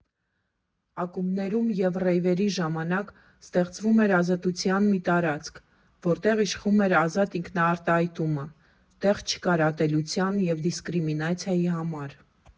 Ակումբներում և ռեյվերի ժամանակ ստեղծվում էր ազատության մի տարածք, որտեղ իշխում էր ազատ ինքնաարտահայտումը, տեղ չկար ատելության և դիսկրիմինացիայի համար։